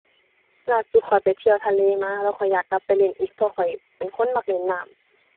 ล่าสุดข้อยไปเที่ยวทะเลมา แล้วข้อยอยากกลับไปเล่นอีก เพราะข้อยเป็นคนมักเล่นน้ำ